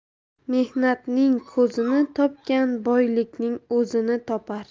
mehnatning ko'zini topgan boylikning o'zini topar